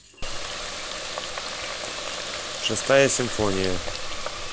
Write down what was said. шестая симфония